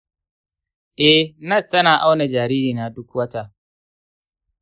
eh, nas tana auna jaririna duk wata.